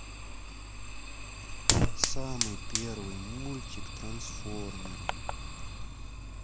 самый первый мультик трансформеры